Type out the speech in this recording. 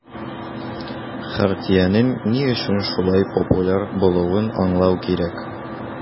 Хартиянең ни өчен шулай популяр булуын аңлау кирәк.